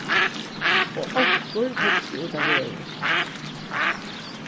og onkur hugdi út á vegin